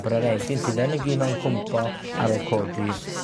bod yr egin sydd yn egino'n cwmpo ar ôl codi,